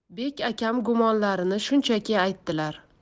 bek akam gumonlarini shunchaki aytdilar